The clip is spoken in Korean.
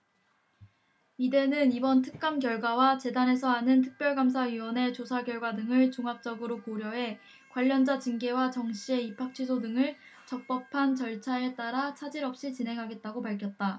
이대는 이번 특감 결과와 재단에서 하는 특별감사위원회 조사 결과 등을 종합적으로 고려해 관련자 징계와 정씨의 입학취소 등을 적법한 절차에 따라 차질 없이 진행하겠다고 밝혔다